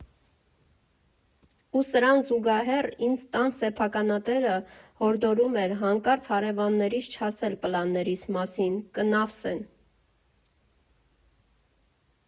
Ու սրան զուգահեռ ինձ տան սեփականատերը հորդորում էր հանկարծ հարևաններիս չասել պլաններիս մասին՝ «կնավսեն»։